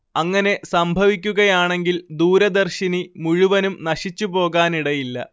അങ്ങനെ സംഭവിക്കുകയാണെങ്കിൽ ദൂരദർശിനി മുഴുവനും നശിച്ചുപോകാനിടയില്ല